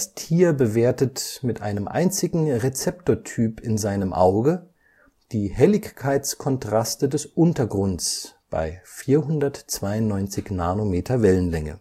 Tier bewertet mit einem einzigen Rezeptortyp in seinem Auge die Helligkeitskontraste des Untergrunds (bei 492 nm Wellenlänge